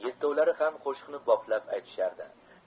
yetovlari ham qo'shiqni boplab aytishardi